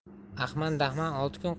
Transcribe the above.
ahman dahman olti kun